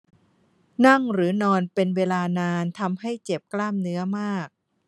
นั่งหรือนอนเป็นเวลานานทำให้เจ็บกล้ามเนื้อมาก